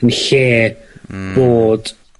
yn lle... Hmm. ...bod...